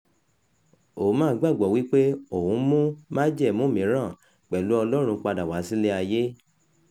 Ouma gbàgbọ́ wípé òun ń mú májẹ̀mú mìíràn pẹ̀lú Ọlọ́run padà wá sílé ayé.